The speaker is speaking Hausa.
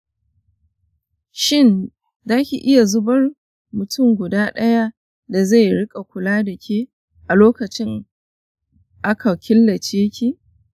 shin daki iya zabar mutum guda daya da zai rika kula da ke a lokacin aka killace ki?